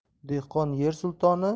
dehqon yer sultoni